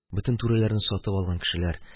Бөтен түрәләрне сатып алган кешеләр...